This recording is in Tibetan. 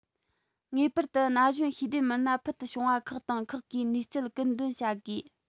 ངེས པར དུ ན གཞོན ཤེས ལྡན མི སྣ ཕུལ དུ བྱུང བ ཁག དང ཁག གིས ནུས རྩལ ཀུན འདོན བྱ དགོས